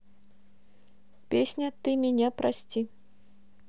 песня ты меня прости